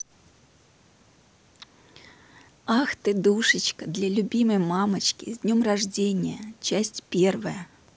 ах ты душечка для любимой мамочки с день рождения часть первая